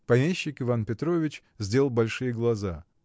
Помещик, Иван Петрович, сделал большие глаза.